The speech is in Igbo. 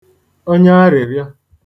onyearị̀rịọ